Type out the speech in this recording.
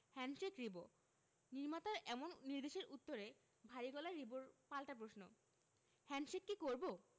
handshake Ribo নির্মাতার এমন নির্দেশের উত্তরে ভারী গলায় রিবোর পাল্টা প্রশ্ন হ্যান্ডশেক কি করবো